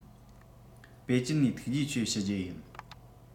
པེ ཅིན ནས ཐུགས རྗེ ཆེ ཞུ རྒྱུ ཡིན